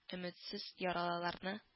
Өметсез яралыларны